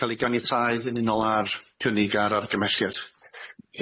ca'l 'i ganiatáu yn unol a'r twnig a'r argymhelliad.